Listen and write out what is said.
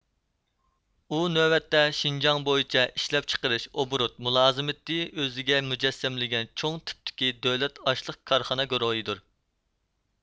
ئۇ نۆۋەتتە شىنجاڭ بويىچە ئىشلەپچىقىرىش ئوبوروت مۇلازىمەتنى ئۆزىگەمۇجەسسەملىگەن چوڭ تىپتىكى دۆلەت ئاشلىق كارخانا گۇرۇھىدۇر